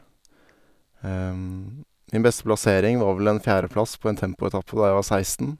Min beste plassering var vel en fjerdeplass på en tempoetappe da jeg var seksten.